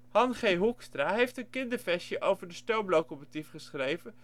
G. Hoekstra heeft een kinderversje over de stoomlocomotief geschreven